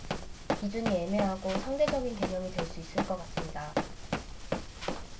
기준이 애매하고 상대적인 개념이 될 수 있을 것 같습니다